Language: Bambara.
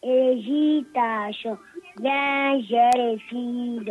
E zi tason bɛre f don